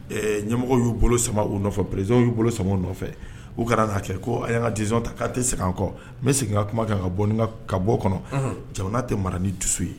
Ɛɛ ɲɛmɔgɔ y'u bolo sama o nɔfɛ prez y'u bolo sama nɔfɛ u kɛra' kɛ ko a y'an ka dizsɔn ta k'a tɛ segin an kɔ n bɛ segin ka kuma kan ka bɔ ka ka bɔ kɔnɔ jamana tɛ mara ni dusu ye